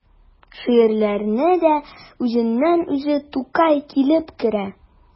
Шигырьләренә дә үзеннән-үзе Тукай килеп керә.